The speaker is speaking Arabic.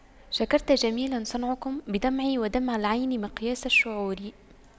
شكرت جميل صنعكم بدمعي ودمع العين مقياس الشعور